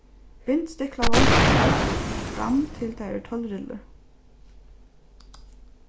bint stiklavond aftur fram til tað eru tólv rillur